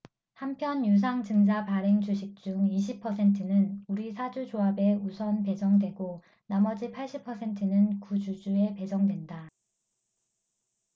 한편 유상증자 발행주식 중 이십 퍼센트는 우리사주조합에 우선 배정되고 나머지 팔십 퍼센트는 구주주에 배정된다